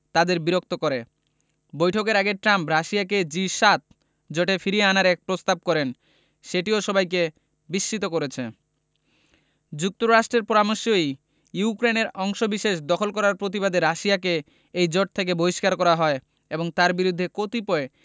তাদের বিরক্ত করে বৈঠকের আগে ট্রাম্প রাশিয়াকে জি ৭ জোটে ফিরিয়ে আনার এক প্রস্তাব করেন সেটিও সবাইকে বিস্মিত করেছে যুক্তরাষ্ট্রের পরামর্শেই ইউক্রেনের অংশবিশেষ দখল করার প্রতিবাদে রাশিয়াকে এই জোট থেকে বহিষ্কার করা হয় এবং তার বিরুদ্ধে কতিপয়